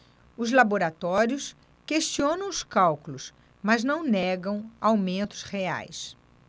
os laboratórios questionam os cálculos mas não negam aumentos reais